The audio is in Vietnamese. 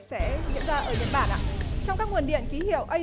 sẽ diễn ra ở nhật bản ạ trong các nguồn điện kí hiệu ây